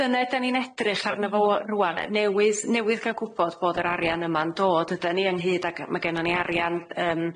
Dyne 'den ni'n edrych arno fo w- rŵan. Ne- newydd, newydd ga'l gwbod bod yr arian yma'n dod yden ni ynghyd ag y-... Ma' gennon ni arian y- yym